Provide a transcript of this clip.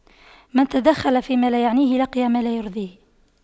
من تدخل فيما لا يعنيه لقي ما لا يرضيه